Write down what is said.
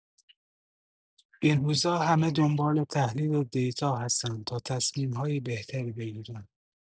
این روزا همه دنبال تحلیل دیتا هستن تا تصمیمای بهتری بگیرن.